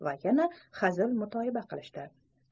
va yana hazil mutoyiba qilishdi